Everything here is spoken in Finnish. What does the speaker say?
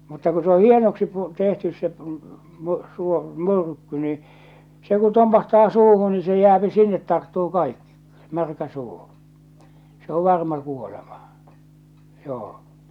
mutta kun se on hienoksi - tehty se --- myrkky niin se kun tompahtaa suuhun niin se jää sinne tarttuu kaikki märkä suu se on varma kuolema joo